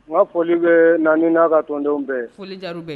Nka foli bɛ naani n'a ka tɔndenw bɛɛ